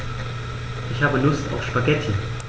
Ich habe Lust auf Spaghetti.